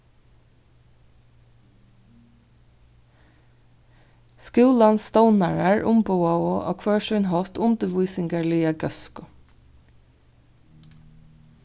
skúlans stovnarar umboðaðu á hvør sín hátt undirvísingarliga góðsku